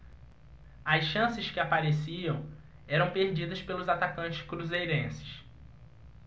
as chances que apareciam eram perdidas pelos atacantes cruzeirenses